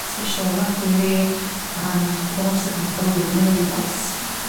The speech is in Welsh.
sbesial ofnadwy i fi a nath... odd o'n amser pan nath bywyd newid lot